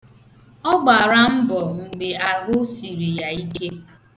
Ọ gbara mbọ mgbe ahụ siri ya ike.